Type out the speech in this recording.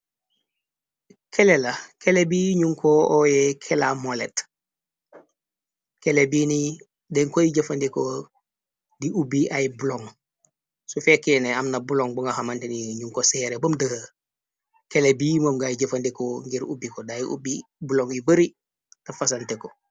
Kele la kele bi ñu ko ooye kelamolet kele bden koy jëfandiko di ubbi ay blong su fekkeene amna blong bu nga xamante ni ñu ko seere bëm dëë kele bi moom ngay jëfandiko ngir ubbi ko daay ubbi blong yu bari la fasante ko.